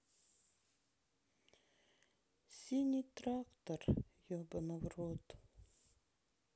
синий трактор ебана в рот